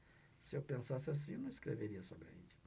se eu pensasse assim não escreveria sobre a índia